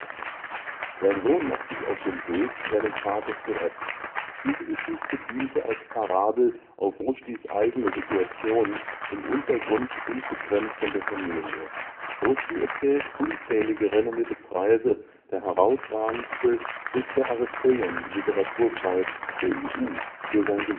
Sein Sohn macht sich auf den Weg, seinen Vater zu retten. Diese Geschichte diente als Parabel auf Rushdies eigene Situation, im Untergrund und getrennt von der Familie. Rushdie erhielt unzählige renommierte Preise, der herausragendste ist der Aristeion-Literaturpreis der EU für sein